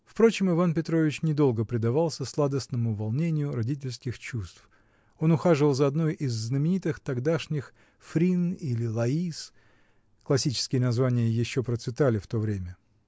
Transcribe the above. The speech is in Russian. Впрочем, Иван Петрович не долго предавался сладостному волнению родительских чувств: он ухаживал за одной из знаменитых тогдашних Фрин или Лаис (классические названия еще процветали в то время)